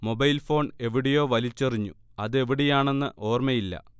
mobile phone എവിടെയോ വലിച്ചെറിഞ്ഞു അതെവിടെയാെണന്ന് ഓർമയില്ല